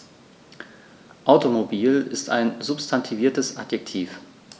Automobil ist ein substantiviertes Adjektiv.